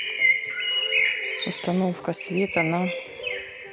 установка света на